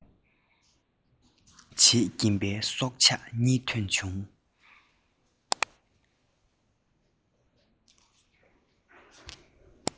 བྱེད ཀྱིན པའི སྲོག ཆགས གཉིས ཐོན བྱུང